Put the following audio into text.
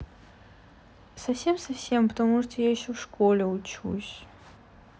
совсем совсем потому что я еще в школе учусь